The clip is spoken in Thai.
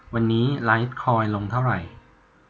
วันนี้ไลท์คอยน์ลงเท่าไหร่